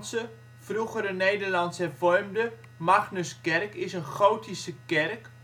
De Protestantse, vroeger Nederlands Hervormde, Magnuskerk is een gotische kerk